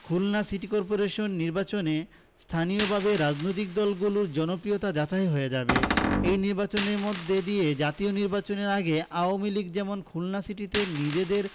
Khulna city corporation নির্বাচনে স্থানীয়ভাবে রাজনৈতিক দলগুলোর জনপ্রিয়তা যাচাই হয়ে যাবে এই নির্বাচনের মধ্য দিয়ে জাতীয় নির্বাচনের আগে আওয়ামী লীগ যেমন খুলনা সিটিতে নিজেদের